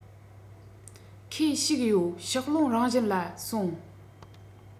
ཁོས ཞིག ཡོད ཕྱོགས ལྷུང རང བཞིན ལ སོང